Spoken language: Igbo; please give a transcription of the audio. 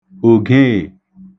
òġeè